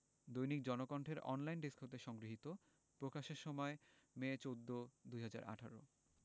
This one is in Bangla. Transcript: দৈনিক জনকণ্ঠের অনলাইন ডেস্ক হতে সংগৃহীত প্রকাশের সময় মে ১৪ ২০১৮